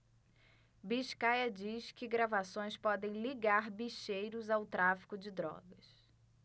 biscaia diz que gravações podem ligar bicheiros ao tráfico de drogas